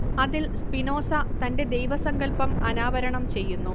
അതിൽ സ്പിനോസ തന്റെ ദൈവസങ്കല്പം അനാവരണം ചെയ്യുന്നു